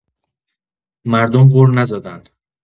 مردم غر نزدن.